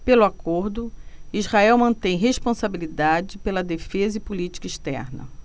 pelo acordo israel mantém responsabilidade pela defesa e política externa